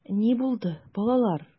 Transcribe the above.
Ни булды, балалар?